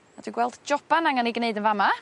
A dwi gweld joban angan 'i gneud yn fa' 'ma